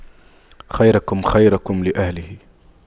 خيركم خيركم لأهله